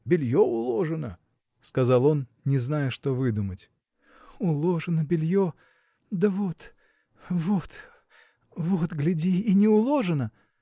белье уложено, – сказал он, не зная, что выдумать. – Уложено белье! да вот. вот. вот. гляди – и не уложено.